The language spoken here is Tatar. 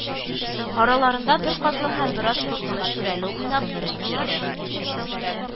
Араларында беркатлы һәм бераз куркыныч Шүрәле уйнап, биеп йөрде